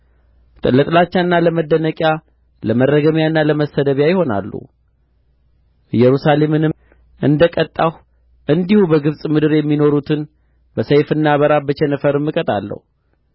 ለጥላቻና ለመደነቂያ ለመረገሚያና ለመሰደቢያ ይሆናሉ ኢየሩሳሌምንም እንደ ቀጣሁ እንዲሁ በግብጽ ምድር የሚኖሩትን በሰይፍና በራብ በቸነፈርም እቀጣለሁ